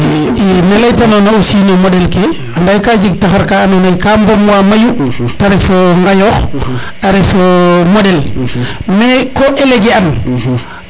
i ne leyta nona aussi no moɗel ke ande ka jeg taxar ka ando naye ka mbom wa mayu te ref ngayox a ref moɗel mais ko éléguer an